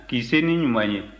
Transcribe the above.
k'i se n'i ɲuman ye